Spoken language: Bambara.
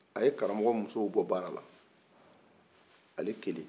a ye karamɔgɔ musow bɔ baara la ale kelen